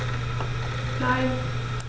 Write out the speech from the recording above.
Nein.